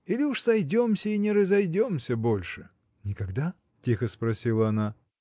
Или уж сойдемся и не разойдемся больше. — Никогда? — тихо спросила она.